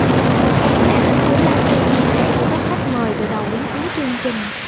khán giả thích thú lắng nghe chia sẻ của các khách mời từ đầu đến cuối chương trình